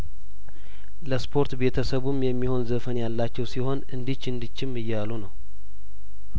ለስፖርት ቤተሰቡም የሚሆን ዘፈን ያላቸው ሲሆን እንዲች እንዲ ችም እያሉ ነው